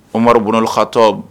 Omaru bun Alkataab